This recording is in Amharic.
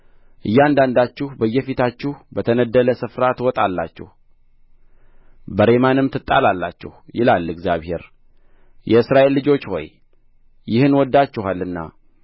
እያንዳንዳችሁ በየፊታችሁ በተነደለ ስፍራ ትወጣላችሁ በሬማንም ትጣላላችሁ ይላል እግዚአብሔር የእስራኤል ልጆች ሆይ ይህን ወድዳችኋልና